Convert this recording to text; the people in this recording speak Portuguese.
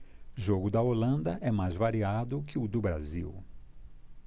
jogo da holanda é mais variado que o do brasil